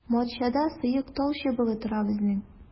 Матчада сыек талчыбыгы тора безнең.